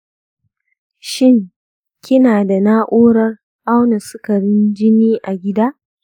shin kina da na’urar auna sukarin jini a gida?